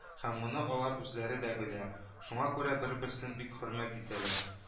Һәм моны алар үзләре дә белә, шуңа күрә бер-берсен бик хөрмәт итәләр